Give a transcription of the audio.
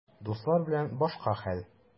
Дуслар белән башка хәл.